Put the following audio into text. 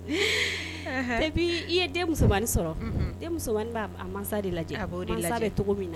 et puis i ye den musomanni sɔrɔ den musomanni b'a a mansa de lajɛ mansa bɛ togo min na